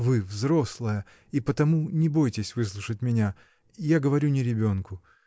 — Вы взрослая и потому не бойтесь выслушать меня: я говорю не ребенку.